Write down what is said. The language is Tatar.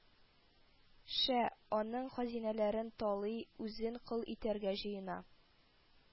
Шә, аның хәзинәләрен талый, үзен кол итәргә җыена